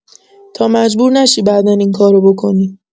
تا مجبور نشی بعدا این کار رو بکنی!